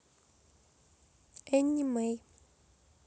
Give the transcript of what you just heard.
anny may